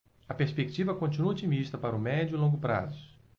a perspectiva continua otimista para o médio e longo prazos